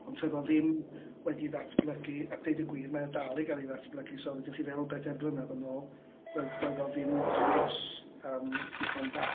Ond doedd o ddim wedi ei ddatblygu, a deud y gwir mae o dal i gael ei ddatblygu felly gallwch chi feddwl bedair blynedd yn ôl, doedd doedd o ddim agos yym digon da.